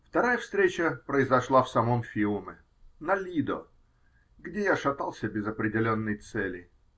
Вторая встреча произошла в самом Фиуме, на Лидо, где я шатался без определенной цели.